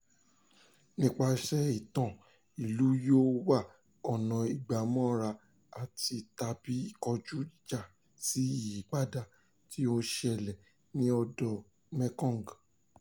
Nípasẹ̀ẹ ìtàn, ìlú yóò wá ọ̀nà ìgbàmọ́ra àti/tàbí ìkọjú-ìjà sí ìyípadà tí ó ń ṣẹlẹ̀ ní odò Mekong.